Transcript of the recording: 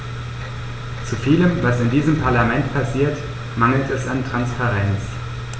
Zu vielem, was in diesem Parlament passiert, mangelt es an Transparenz.